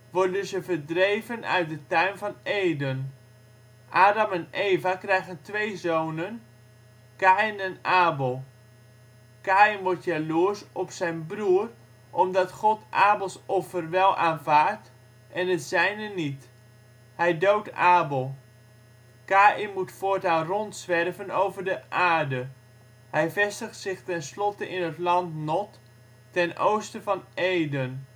worden ze verdreven uit de tuin van Eden. Adam en Eva krijgen twee zonen: Kaïn en Abel. Kaïn wordt jaloers op zijn broer, omdat God Abels offer wel aanvaardt en het zijne niet. Hij doodt Abel. Kaïn moet voortaan rondzwerven over de aarde. Hij vestigt zich tenslotte in het land Nod, ten oosten van Eden